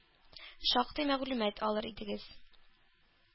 Шактый мәгълүмат алыр идегез.